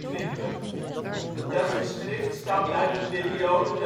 726. Dat geschrift stamt uit de periode